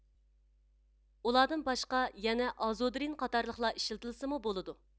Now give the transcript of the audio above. ئۇلاردىن باشقا يەنە ئازودرىن قاتارلىقلار ئىشلىتىلسىمۇ بولىدۇ